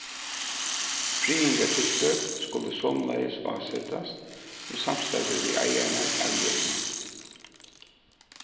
friðingartiltøk skulu somuleiðis ásetast í samstarvi við eigararnar av jørðini